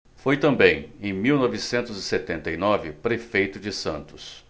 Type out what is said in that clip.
foi também em mil novecentos e setenta e nove prefeito de santos